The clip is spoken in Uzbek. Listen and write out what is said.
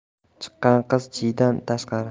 chiqqan qiz chiydan tashqari